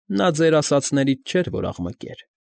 Նա ձեր ասածներից չէր, որ աղմկեր։